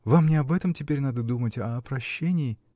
Вам не об этом теперь надо думать, а о прощении.